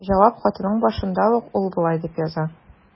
Җавап хатының башында ук ул болай дип яза.